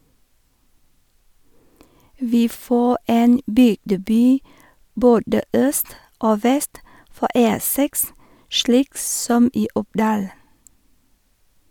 Vi får en bygdeby både øst og vest for E6, slik som i Oppdal.